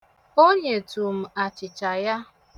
O nyetụ m achịcha ya.